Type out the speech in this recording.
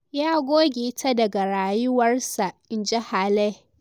"Ya goge ta daga rayuwarsa," in ji Hale.